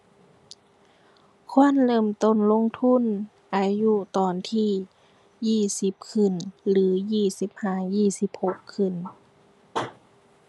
ควรเริ่มต้นลงทุนอายุตอนที่ยี่สิบขึ้น หรือยี่สิบห้ายี่สิบหกขึ้น